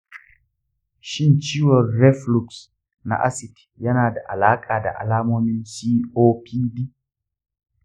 shin ciwon reflux na acid yana da alaƙa da alamomin copd?